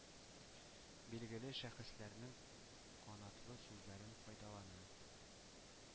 Билгеле шәхесләрнең канатлы сүзләрен файдалана...